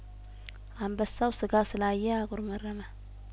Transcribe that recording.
አንበሳው ስጋ ስላየ አጉረመረመ